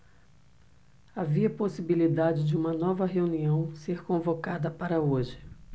havia possibilidade de uma nova reunião ser convocada para hoje